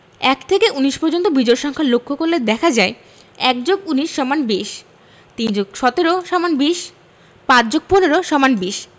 ১ থেকে ১৯ পর্যন্ত বিজোড় সংখ্যা লক্ষ করলে দেখা যায় ১+১৯=২০ ৩+১৭=২০ ৫+১৫=২০